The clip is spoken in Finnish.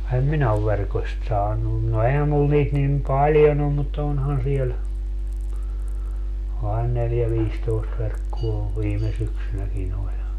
en minä ole verkosta saanut no eihän minulla niitä niin paljon ole mutta onhan siellä aina neljä viisitoista verkkoa viime syksynäkin oli